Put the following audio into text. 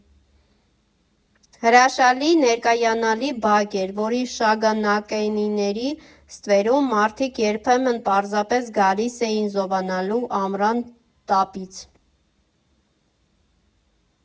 Հրաշալի, ներկայանալի բակ էր, որի շագանակենիների ստվերում մարդիկ երբեմն պարզապես գալիս էին զովանալու ամռան տապից։